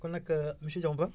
kon nag monsieur Diakhoumpa